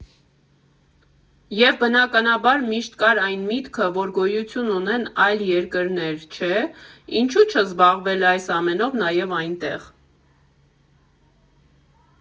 Եվ, բնականաբար, միշտ կար այն միտքը, որ գոյություն ունեն այլ երկրներ, չէ, ինչու՞ չզբաղվել այս ամենով նաև այնտեղ։